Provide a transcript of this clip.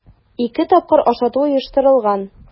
Ике тапкыр ашату оештырылган.